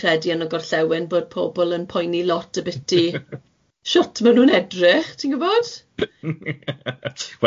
credu yn y gorllewin bod pobol yn poeni lot ymbyti shwt mae nhw'n edrych, ti'n gwbod?